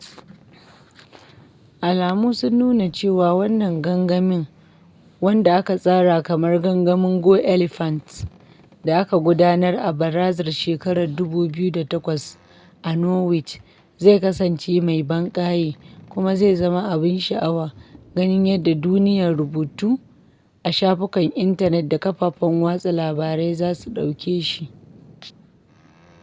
Alamu sun nuna cewa wannan gangamin — wanda aka tsara kamar gangamin Go Elephants da aka gudanar a bazarar shekarar 2008 a Norwich — zai kasance mai ban ƙaye, kuma zai zama abin sha'awa ganin yadda duniyar rubutu a shafukan intanet da kafafen watsa labarai za su ɗauke shi.